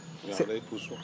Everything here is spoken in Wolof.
waa day puus